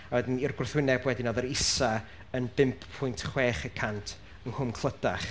a wedyn i'r gwrthwyneb wedyn roedd yr isa yn bump pwynt chwech y cant yng Nghwm Clydach.